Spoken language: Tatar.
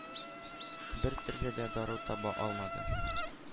Бертөрле дә дару таба алмады.